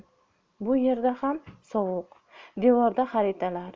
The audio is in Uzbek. bu yer ham sovuq devorda xaritalar